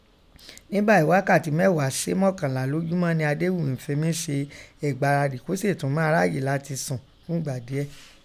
Ni báìín ghakati mẹgha sẹ́ mọkanla lojumọ nẹ Adewumi fẹ mí se ẹ̀gbáradì kó sèè tun máa á ráàyè latin sùn fun 'gba diẹ,